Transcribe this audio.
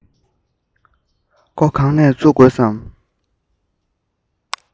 མགོ གང ནས འཛུགས དགོས སམ